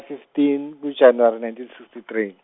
fifteen ku- January nineteen sixty three.